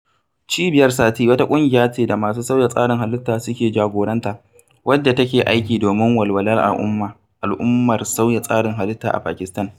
Cibiyar Sathi wata ƙungiya ce da masu sauya tsarin halitta suke jagoranta, wadda take aiki domin walwalar al'ummar sauya tsarin halitta a Pakistan.